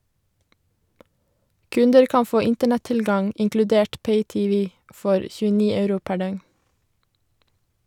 Kunder kan få internett-tilgang inkludert pay-tv for 29 euro per døgn.